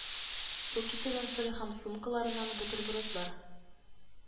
Су китерүен сорый һәм сумкаларыннан бутербродлар